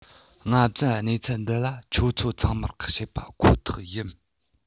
སྔ ཙམ གནས ཚུལ འདི ལ ཁྱེད ཚོ ཚང མར བཤད པ ཁོ ཐག ཡིན